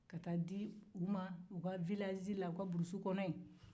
ka taa di u man u ka vilazi la u ka burusi kɔnɔ yen